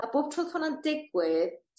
a bob tro o'dd hwnna'n digwydd,